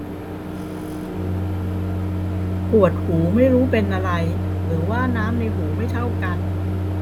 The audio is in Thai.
ปวดหูไม่รู้เป็นอะไรหรือว่าน้ำในหูไม่เท่ากัน